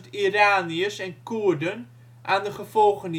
Iraniërs en Koerden aan de gevolgen